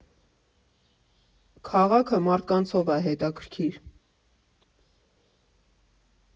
Քաղաքը մարդկանցով ա հետաքրքիր.